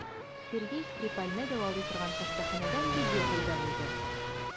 Сергей Скрипальне дәвалый торган хастаханәдән видео пәйда булды.